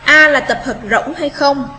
a là tập hợp rỗng hay không